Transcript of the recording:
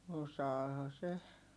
osaahan se